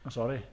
Sori.